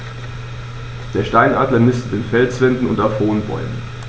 Der Steinadler nistet in Felswänden und auf hohen Bäumen.